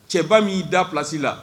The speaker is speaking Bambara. Cɛba min y'i da plasi la